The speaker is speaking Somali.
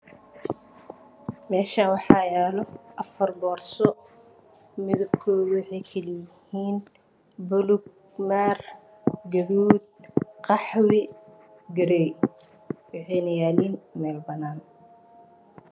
Meeshaan waxa yaalo afar boorso midabkooda waxay kala yihiin buluug maar, gaduud, qahwe, darey, waxayna yaaliin meel bannaan ah.